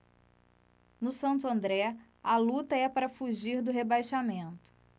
no santo andré a luta é para fugir do rebaixamento